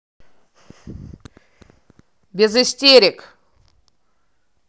без истерик